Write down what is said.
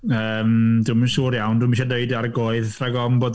Yym dwi'm yn siŵr iawn. Dwi'm isio deud ar goedd rhag ofn bod o...